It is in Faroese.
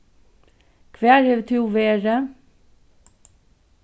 hvar hevur tú verið